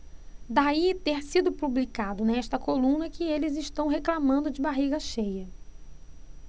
daí ter sido publicado nesta coluna que eles reclamando de barriga cheia